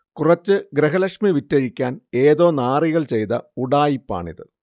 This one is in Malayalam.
കുറച്ച് ഗൃഹലക്ഷ്മി വിറ്റഴിക്കാൻ ഏതോ നാറികൾ ചെയ്ത ഉഡായിപ്പാണിത്